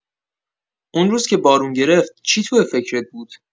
اون روز که بارون گرفت، چی توی فکرت بود؟